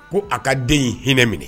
Ko a ka den in hinɛ minɛ